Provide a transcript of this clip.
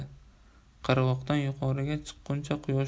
qirg'oqdan yuqoriga chiqquncha quyosh